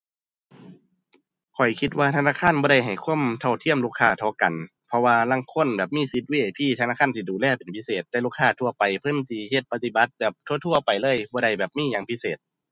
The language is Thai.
ข้อยคิดว่าธนาคารบ่ได้ให้ความเท่าเทียมลูกค้าเท่ากัน เพราะว่าลางคนแบบมีสิทธิ์ VIP ธนาคารสิดูแลเป็นพิเศษ แต่ลูกค้าทั่วไปเพิ่นสิเฮ็ดปฏิบัติแบบทั่วทั่วไปเลย บ่ได้แบบมีหยังพิเศษ